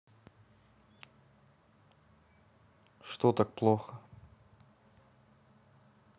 что так плохо